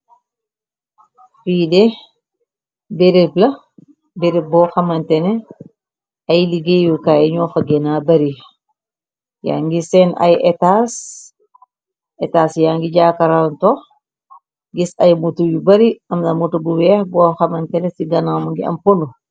Fiide bereb la. Bereb boo xamantene ay liggéeyukaay ñoo fa gena bari. Ya ngi seen ay etaas ya ngi jaakarantox. Gis ay mutu yu bari amna moto bu weex boo xamantene ci ganaamu ngi am polu.